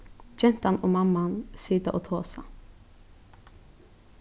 gentan og mamman sita og tosa